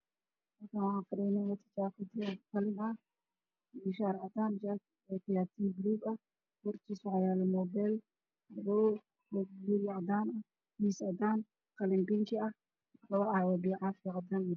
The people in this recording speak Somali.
Halkaan waxaa fadhiyo nin wato jaakad qalin ah iyo shaar cadaan ah, tay buluug ah hortiisa waxaa yaalo muubeel madow, buug gaduud iyo cadaan ah, miis cadaan, qalin bingi ah iyo labo caag oo caafi ah.